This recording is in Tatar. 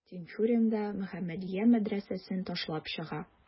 Тинчурин да «Мөхәммәдия» мәдрәсәсен ташлап чыга.